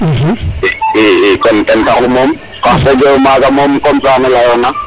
i kon ten taxu mom kam mag moom comme ca ne leyona